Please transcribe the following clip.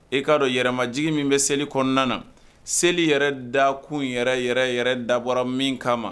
E k'a dɔn yɛrɛmaj min bɛ seli kɔnɔna na seli yɛrɛ da kun yɛrɛ yɛrɛ yɛrɛ dabɔ min kama ma